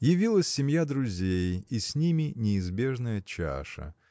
Явилась семья друзей, и с ними неизбежная чаша.